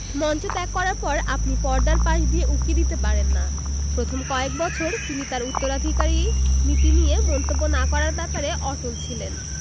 মঞ্চ ত্যাগ করার পর আপনি পর্দার পাশ দিয়ে উঁকি দিতে পারেন না প্রথম কয়েক বছর তিনি তাঁর উত্তরাধিকারীর নীতি নিয়ে মন্তব্য না করার ব্যাপারে অটল ছিলেন